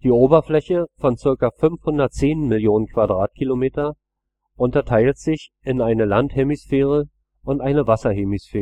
Oberfläche von ca. 510 Mio. km² unterteilt sich in eine Landhemisphäre und eine Wasserhemisphäre. Die